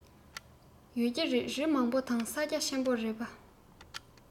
ཡོད ཀྱི རེད རི མང པོ དང ས རྒྱ ཆེན པོ རེད པ